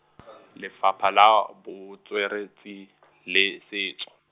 Lefapha la Botsweretshi , le Setso.